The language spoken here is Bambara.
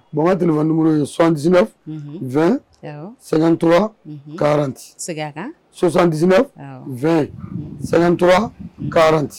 Bon n ka téléphone numéro ye: 79 , unhun, 20 , awɔ, 53 , unhun, 40 . Sɛgin a kan. 79 , awɔ, 20 53 ,unhun 40 .